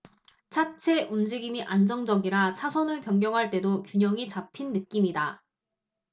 차체 움직임이 안정적이라 차선을 변경할 때도 균형이 잡힌 느낌이다